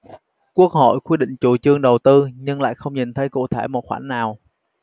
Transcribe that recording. quốc hội quyết định chủ trương đầu tư nhưng lại không nhìn thấy cụ thể một khoản nào